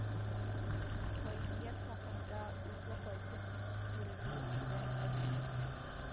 Гыйният хакында, үзе кайтып күренү белән бер үк